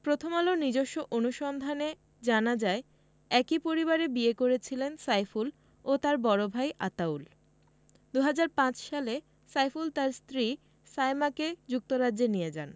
প্রথম আলোর নিজস্ব অনুসন্ধানে জানা যায় একই পরিবারে বিয়ে করেছিলেন সাইফুল ও তাঁর বড় ভাই আতাউল ২০০৫ সালে সাইফুল তাঁর স্ত্রী সায়মাকে যুক্তরাজ্যে নিয়ে যান